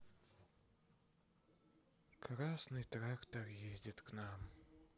красный трактор едет к нам